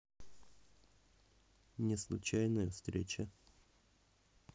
неслучайная встреча